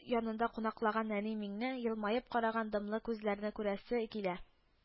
Янында кунаклаган нәни миңне, елмаеп караган дымлы күзләрне күрәсе килә